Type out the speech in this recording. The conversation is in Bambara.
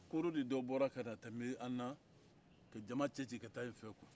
kooro de dɔ bɔra ka na tɛmɛ an na ka cama cɛci ka taa yen fɛ